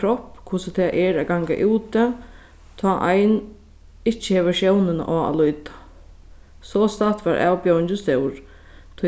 kropp hvussu tað er at ganga úti tá ein ikki hevur sjónina á at líta sostatt var avbjóðingin stór